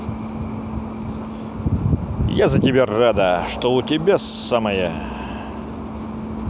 а я за тебя рада что у тебя самое